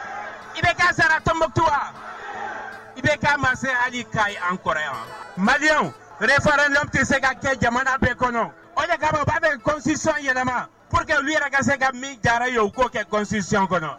I bɛ katomɔtu i bɛ ma ali k an kɔrɔ malifa tɛ se ka kɛ jamana bɛ kɔnɔa bɛsisi yɛlɛma u yɛrɛ ka se ka min diyara ye u k'o kɛsisi kɔnɔ